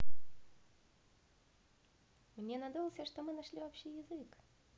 мне надулся что мы нашли общий язык